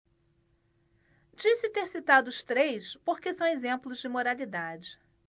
disse ter citado os três porque são exemplos de moralidade